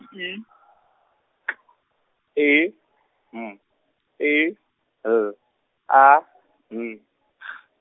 I P E M E L A N G.